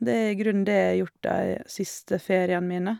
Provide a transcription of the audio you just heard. Det er i grunnen det jeg har gjort de siste feriene mine.